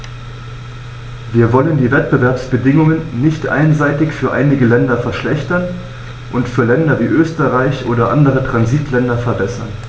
Wir wollen die Wettbewerbsbedingungen nicht einseitig für einige Länder verschlechtern und für Länder wie Österreich oder andere Transitländer verbessern.